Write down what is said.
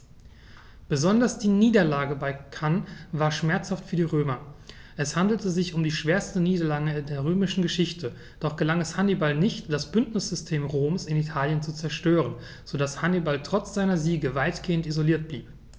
Besonders die Niederlage bei Cannae war schmerzhaft für die Römer: Es handelte sich um die schwerste Niederlage in der römischen Geschichte, doch gelang es Hannibal nicht, das Bündnissystem Roms in Italien zu zerstören, sodass Hannibal trotz seiner Siege weitgehend isoliert blieb.